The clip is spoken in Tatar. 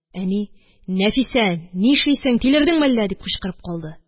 Әни: – Нәфисә, ни эшлисең, тилердеңме әллә? – дип кычкырып калды.